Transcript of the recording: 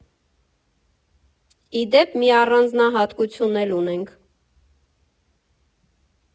Ի դեպ, մի առանձնահատկություն էլ ունենք։